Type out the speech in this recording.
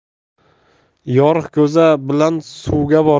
yoriq ko'za bilan suvga borma